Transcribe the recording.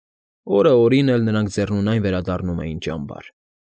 Օրը օրին էլ նրանք ձեռնունայն վերադառնում էին ճամբար։